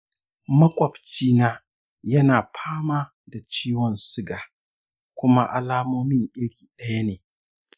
maƙwabcina ya na fama da ciwon suga kuma alamomin iri ɗaya ne.